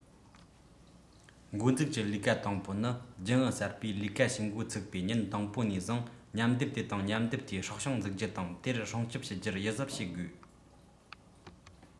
འགོ འཛུགས ཀྱི ལས ཀ དང པོ ནི རྒྱུན ཨུད གསར པས ལས ཀ བྱེད འགོ བཙུགས པའི ཉིན དང པོ ནས བཟུང མཉམ སྡེབ དེ དང མཉམ སྡེབ དེའི སྲོག ཤིང འཛུགས རྒྱུ དང དེར སྲུང སྐྱོང བྱེད རྒྱུར ཡིད གཟབ བྱེད དགོས